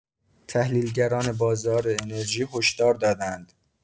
تحلیلگران بازار انرژی هشدار داده‌اند.